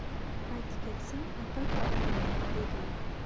payti kelsin albatta olaman dedi u